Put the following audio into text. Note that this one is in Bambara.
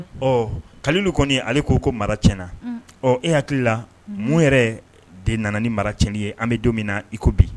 Ɔ kalilu kɔni ale ko ko mara tiɲɛna ɔ e hakili la mun yɛrɛ de nana ni maraci ye an bɛ don min na iko bi